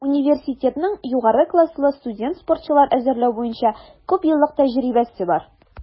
Университетның югары класслы студент-спортчылар әзерләү буенча күпьеллык тәҗрибәсе бар.